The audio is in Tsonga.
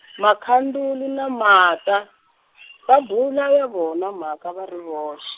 Makhanduli na Martha, va bula ya vona mhaka va ri voxe.